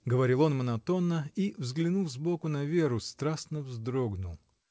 — говорил он монотонно и, взглянув сбоку на Веру, страстно вздрогнул.